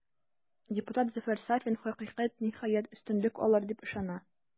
Депутат Зөфәр Сафин, хакыйкать, ниһаять, өстенлек алыр, дип ышана.